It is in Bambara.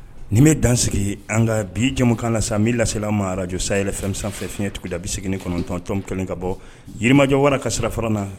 Nin bɛ dan sigi an ka bi jɛmukan na san mi laelila maa araj sayɛlɛ fɛn sanfɛ fiɲɛtigida bɛ segin kɔnɔntɔntɔn kelen ka bɔ yirimajɔ wara ka sira fara na